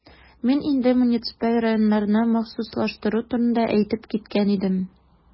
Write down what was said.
Мин инде муниципаль районнарны махсуслаштыру турында әйтеп киткән идем.